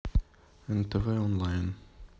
нтв онлайн